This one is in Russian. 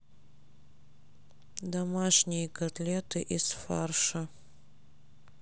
домашние котлеты из фарша